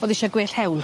O'dd isie gwell hewl.